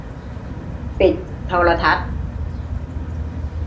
ปิดโทรทัศน์